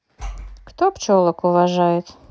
кто пчелок уважает